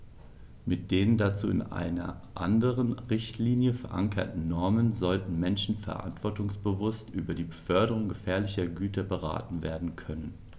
Mit den dazu in einer anderen Richtlinie, verankerten Normen sollten Menschen verantwortungsbewusst über die Beförderung gefährlicher Güter beraten werden können.